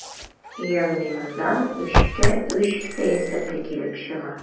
Ягъни монда үчкә-үч сәясәте килеп чыга.